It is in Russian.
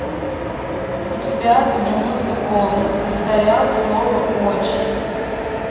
у тебя заленился голос повторял слово очень